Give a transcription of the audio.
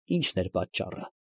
Ի՞նչ էր պատճառը։